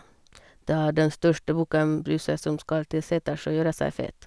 Det er den største bukken Bruse, som skal til seters og gjøre seg fet.